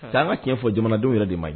K an ka tiɲɛɲɛ fɔ jamanadenw yɛrɛ de ma ɲi